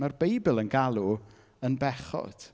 Mae'r Beibl yn galw yn bechod.